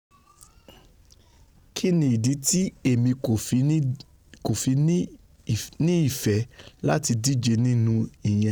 Kínni ìdí ti emi kòfi ní nifẹ́ láti díje nínú ìyẹn?''